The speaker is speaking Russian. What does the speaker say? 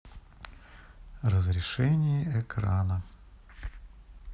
разрешение экрана